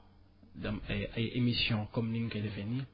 dem ay ay émissions comme ni ñu koy defee nii